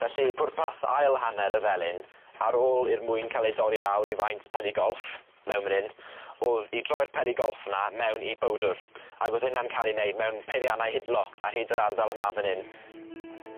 Felly pwrpas ail hanner y felyn ar ôl i'r mwyn ca'l ei dorri lawr i faint peli golf mewn myn 'yn o'dd i droi'r peli golf 'na mewn i bowdwr ag o'dd hynna'n ca'l 'i neud mewn peiriannau hidlo ar hyd yr ardal yma fyn 'yn.